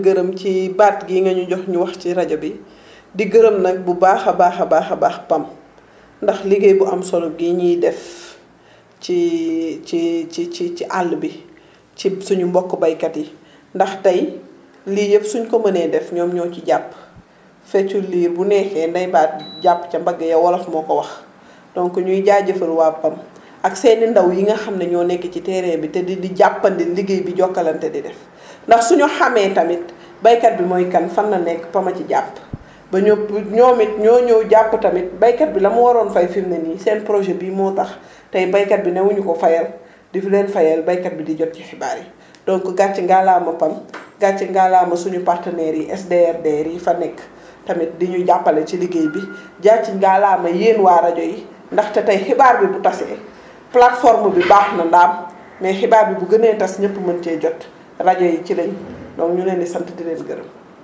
waaw ñu ngi ñu ngi leen di sant di leen gërëm ci baat bii nga ñu jox ñu wax ci rajo bi di gërëm nag bu baax a baax a baax PAM ndax liggéey bu am solo gii ñuy def ci ci ci ci ci àll bi ci suñu mbokku béykat yi ndax tey lii yëpp su ñu ko mënee def ñoom ñoo ci jàpp feccu liir bu neexee ndey baa jàpp ca mbagg ya wolof moo ko wax donc ñuy jaajëfal waa PAM ak seen i ndaw yi nga xam ne ñoo nekk ci terrain bi te di di jàppandil liggéey bi Jokalante di def ndax suñu xamee tamit béykat bi mooy kan fan la nekk PAM a ci jàpp ba ñu ñoom it ñoo ñëw jàpp tamit béykat bi la mu waroon fay fi mu ne nii seen projet bi moo tax tey béykat bi newuñu ko fayal di di leen fayal béykat bi di jot ci xibaar yi donc gàcce ngallaama PAM gàcce ngallaama suñu parenaire yi SDRDR yi fa nekk tamit di ñu jàppale ci liggéey bi gàcce ngallaama yéen waa rajo yi ndaxte tey xibaar bi bu tasee plateforme bi baax na ndaam mais xibaar bi bu gënee tas ñëpp mën cee jot rajo yi ci lañ donc ñu lee di sant di leen gërëm